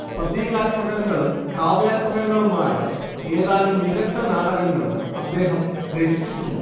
പ്രതീകാത്മകങ്ങളും കാവ്യാത്മകങ്ങളുമായ ഏതാനും മികച്ച നാടകങ്ങളും അദ്ദേഹം രചിച്ചിട്ടുണ്ട്